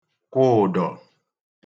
kwụ ụ̀dọ̀